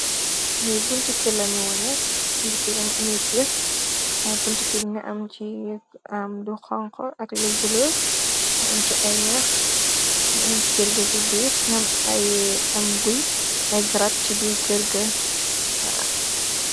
ni buntikirami wone buntikir gam ami gir way buntkir nga am ci am du xank ak lu ble nga am ci ay nax nga am kirga ci biir ngam am guy ay grab ci biir kirgba